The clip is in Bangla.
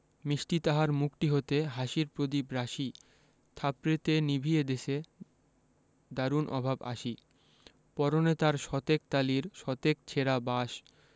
মিষ্টি তাহার মুখটি হতে হাসির প্রদীপ রাশি থাপড়েতে নিবিয়ে দেছে দারুণ অভাব আসি পরনে তার শতেক তালির শতেক ছেঁড়া বাস